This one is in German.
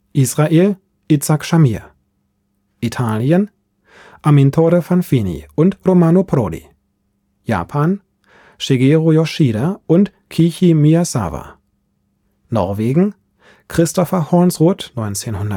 Israel Yitzhak Shamir Italien Amintore Fanfani Romano Prodi Japan Shigeru Yoshida Kiichi Miyazawa Norwegen Christopher Hornsrud (1928